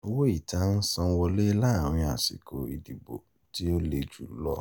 Owó ìta ń ṣàn wọlé láàárín àsìkò ìdìbò tí ó le jùlọ